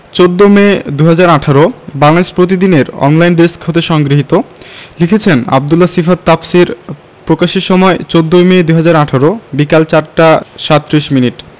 ১৪মে ২০১৮ বাংলাদেশ প্রতিদিন এর online desk হতে সংগৃহীত লিখেছেনঃ আব্দুল্লাহ সিফাত তাফসীর প্রকাশের সময় ১৪ই মে ২০১৮ বিকেল ৪ টা ৩৭ মিনিট